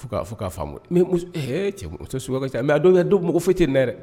Fo k'a fɔ k'a faama sokɛ ka cɛ mɛ a dɔn kɛ don mako foyi tɛ n ne yɛrɛ dɛ